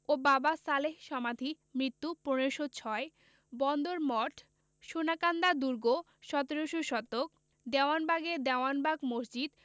ও বাবা সালেহর সমাধি মৃত্যু ১৫০৬ বন্দর মঠ সোনাকান্দা দুর্গ ১৭শ শতক দেওয়ানবাগে দেওয়ানবাগ মসজিদ